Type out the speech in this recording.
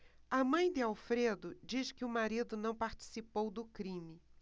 a mãe de alfredo diz que o marido não participou do crime